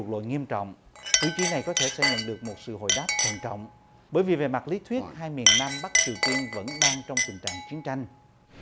lụt lội nghiêm trọng cử tri này có thể sẽ nhận được một sự hồi đáp thận trọng bởi vì về mặt lý thuyết hai miền nam bắc triều tiên vẫn đang trong tình trạng chiến tranh